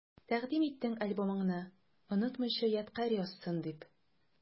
Тәкъдим иттең альбомыңны, онытмыйча ядкарь язсын дип.